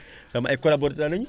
sama ay collaborateur la ñu